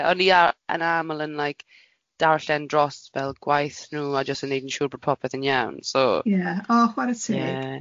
So ie, o'n i a- yn aml yn like darllen dros fel gwaith nhw a jyst yn wneud yn siŵr bod popeth yn iawn, so Ie. Oh chwarae teg.